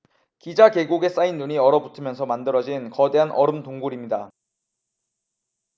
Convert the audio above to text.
기자 계곡에 쌓인 눈이 얼어붙으면서 만들어진 거대한 얼음 동굴입니다